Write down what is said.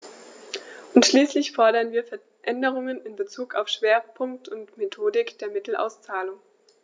Und schließlich fordern wir Veränderungen in bezug auf Schwerpunkt und Methodik der Mittelauszahlung.